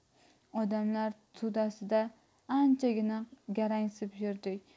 odamlar to'dasida anchagina garangsib yurdik